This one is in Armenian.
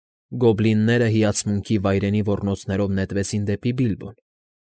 Գոբլինները հիացմունքի վայրենի ոռնոցներով նետվեցին դեպի Բիլբոն։